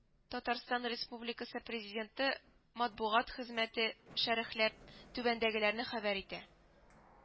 ТР Президенты матбугат хезмәте шәрехләп, түбәндәгеләрне хәбәр итә